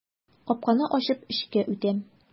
Капканы ачып эчкә үтәм.